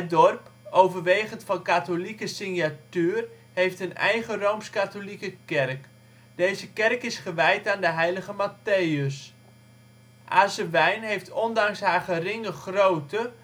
dorp, overwegend van katholieke signatuur, heeft een eigen R.K. kerk. Deze kerk is gewijd aan de Heilige Mattheüs. Azewijn heeft ondanks haar geringe grootte